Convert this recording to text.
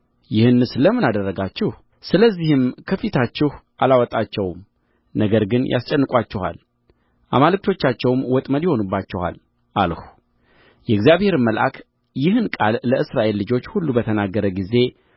ይህንስ ለምን አደረጋችሁ ስለዚህም ከፊታችሁ አላወጣቸውም ነገር ግን ያስጨንቋችኋል አማልክቶቻቸውም ወጥመድ ይሆኑባችኋል አልሁ የእግዚአብሔርም መልአክ ይህን ቃል ለእስራኤል ልጆች ሁሉ በተናገረ ጊዜ